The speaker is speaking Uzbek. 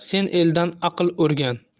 sen eldan aql o'rgan